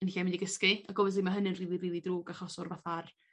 Yn lle mynd i gysgu ag obviously ma' hynny rhili rili ddrwg achos o'r fatha'r